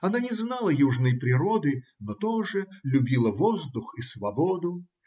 Она не знала южной природы, но тоже любила воздух и свободу.